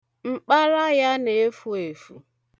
Mkpara ya na-efu efu.